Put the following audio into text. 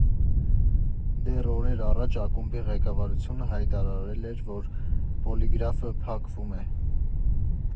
Դեռ օրեր առաջ ակումբի ղեկավարությունը հայտարարել էր, որ Պոլիգրաֆը փակվում է։